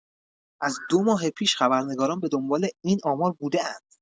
از ۲ ماه پیش خبرنگاران به دنبال این آمار بوده‌اند.